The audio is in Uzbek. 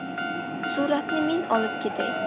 suratni men olib ketay